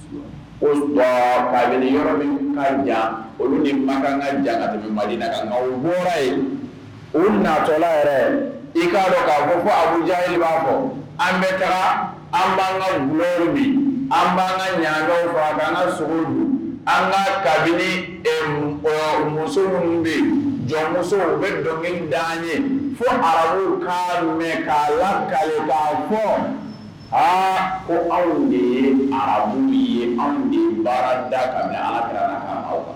Ka olu ni ka jan mali bɔra u natɔla yɛrɛ i kaa fɔbuja b'a fɔ an bɛ taga an b'an bi an b' ɲkaw fɔ an sogo an ka ka muso minnu bɛ jɔnmuso bɛ dɔnkili da an ye fo arabu ka mɛn kalan kalia fɔ aa ko aw de ye arabu ye anw ni baara da ka da